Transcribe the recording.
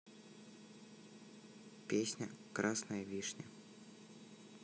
песня красная вишня